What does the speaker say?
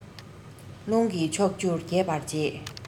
རླུང གིས ཕྱོགས བཅུར རྒྱས པར བྱེད